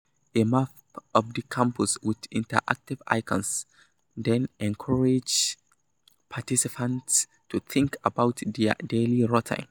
A map of the campus, with interactive icons, then encourages participants to think about their daily routine.